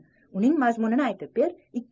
uning mazmunini aytib ber